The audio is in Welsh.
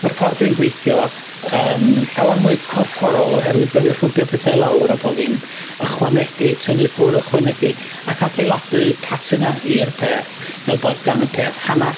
Ma'r ffor dwi'n gwithio yn llawar mwy corfforol oherwydd bo' fi'n rhwbio petha lawr a bo' fi'n ychwanegu, tynnu ffwrdd, ychwanegu ac adeiladu patina i'r peth fel bod gan y peth hanas.